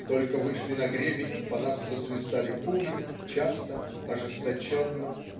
Только вышли на гребень, по нас засвистали пули, часто, ожесточенно.